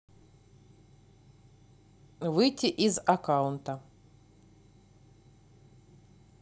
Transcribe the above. выйти из аккаунта